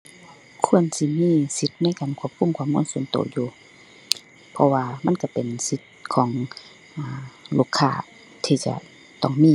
ควรสิมีสิทธ์ในการควบคุมข้อมูลส่วนตัวอยู่ เพราะว่ามันตัวเป็นสิทธ์ของ อ่า ลูกค้าที่จะต้องมี